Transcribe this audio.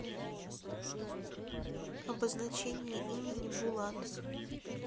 обозначение имени булат